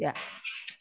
Ie.